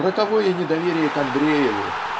Роковое недоверие к Андрееву